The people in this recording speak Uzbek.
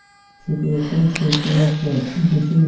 cho'kayotgan cho'pga yopishar egachim